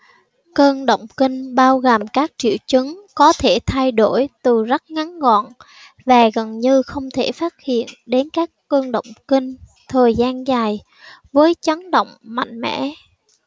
cơn động kinh là bao gồm các triệu chứng có thể thay đổi từ rất ngắn gọn và gần như không thể phát hiện đến các cơn động kinh thời gian dài với chấn động mạnh mẽ